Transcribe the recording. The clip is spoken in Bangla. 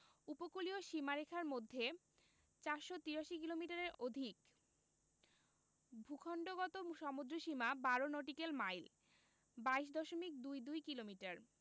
উপকূলীয় সীমারেখার দৈর্ঘ্য ৪৮৩ কিলোমিটারের অধিক ভূখন্ডগত সমুদ্রসীমা ১২ নটিক্যাল মাইল ২২ দশমিক দুই দুই কিলোমিটার